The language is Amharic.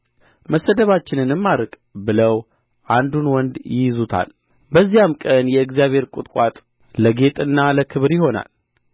መሰደባችንንም አርቅ ብለው አንዱን ወንድ ይይዙታል በዚያም ቀን የእግዚአብሔር ቍጥቋጥ ለጌጥና ለክብር ይሆናል